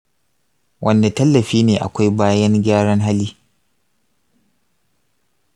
wanne tallafi ne akwai bayan gyaran hali?